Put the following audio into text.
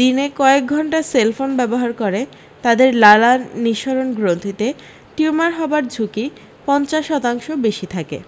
দিনে কয়েকঘণ্টা সেলফোন ব্যবহার করে তাদের লালানিসরণ গ্রন্থিতে টিউমার হবার ঝুঁকি পঞ্চাশ শতাংশ বেশী থাকে